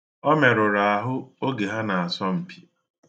Ọ merụrụ ahụ oge ha na-asọ mpi.